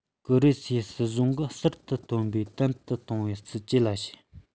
ཀེ རི སེའི སྲིད གཞུང གིས གསར དུ བཏོན པའི དམ དུ གཏོང བའི སྲིད ཇུས ལ བྱས